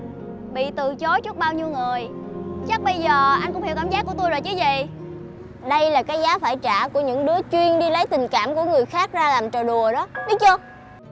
bị từ chối trước bao nhiêu người chắc bây giờ anh cũng hiểu cảm giác của tôi rồi chứ gì đây là cái giá phải trả của những đứa chuyên đi lấy tình cảm của người khác ra làm trò đùa đó biết chưa